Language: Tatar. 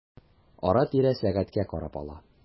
Ара-тирә сәгатькә карап ала.